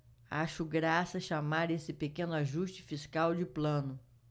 acho graça chamar esse pequeno ajuste fiscal de plano